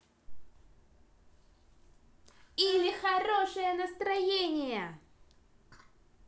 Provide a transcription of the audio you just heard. или хорошее настроение